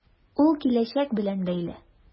Ул киләчәк белән бәйле.